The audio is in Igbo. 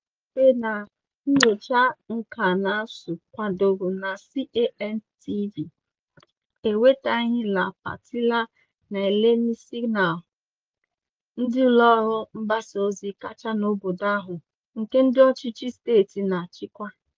Ihe akaebe na nnyocha nkànaụzụ kwadoro na CANTV enwetaghị La Patilla na El Nacional, ndị ụlọọrụ mgbasaozi kacha n'obodo ahụ, nke ndị ọchịchị steeti na-achịkwa.